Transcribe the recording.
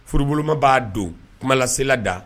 Furuurubboloma b'a don kumalasila da